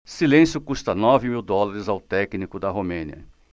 silêncio custa nove mil dólares ao técnico da romênia